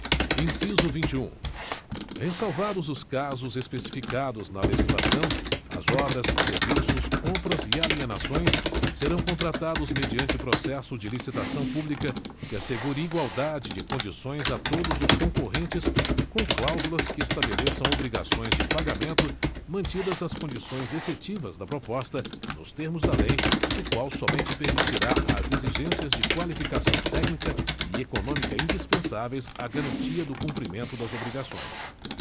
inciso vinte e um ressalvados os casos especificados na legislação as obras serviços compras e alienações serão contratados mediante processo de licitação pública que assegure igualdade de condições a todos os concorrentes com cláusulas que estabeleçam obrigações de pagamento mantidas as condições efetivas da proposta nos termos da lei o qual somente permitirá as exigências de qualificação técnica e econômica indispensáveis à garantia do cumprimento das obrigações